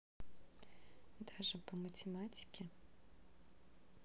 даже по математике